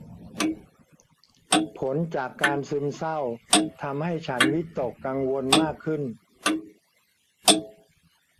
ผลจากการซึมเศร้าทำให้ฉันวิตกกังวลมากขึ้น